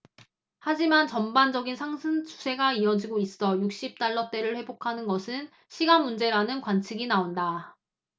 하지만 전반적인 상승 추세가 이어지고 있어 육십 달러대를 회복하는 것은 시간문제라는 관측이 나온다